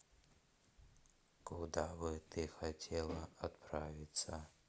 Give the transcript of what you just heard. куда бы ты хотела отправиться